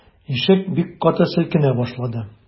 Ишек бик каты селкенә башлады.